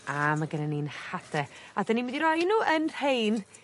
a ma' gynnan ni'n hade a 'dyn ni mynd i roi i n'w yn rhein